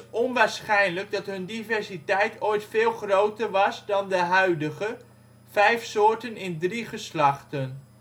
onwaarschijnlijk dat hun diversiteit ooit veel groter was dan de huidige (vijf soorten in drie geslachten